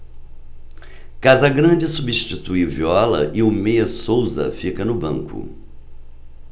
casagrande substitui viola e o meia souza fica no banco